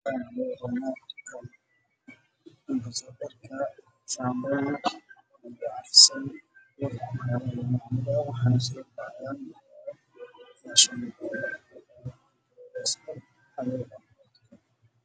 Waa dukaan ay yaalaan kareemo kala duwan